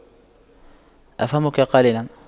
أفهمك قليلا